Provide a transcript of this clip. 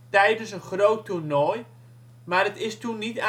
tijdens een groot toernooi, maar het is toen niet